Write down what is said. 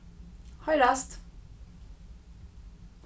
hoyrast